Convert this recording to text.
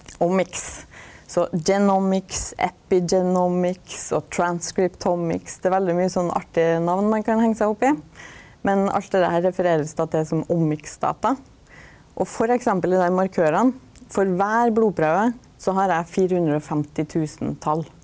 omics så og , det er veldig mykje sånn artige namn ein kan henga seg opp i, men alt det der refererast då til som omicsdata, og f.eks. det der markørane for kvar blodprøve så har eg 450000 tal.